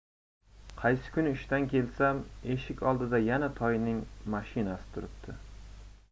qaysi kuni ishdan kelsam eshik oldida yana toyning mashinasi turibdi